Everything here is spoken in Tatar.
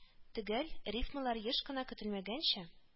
Төгәл, рифмалар еш кына, көтелмәгәнчә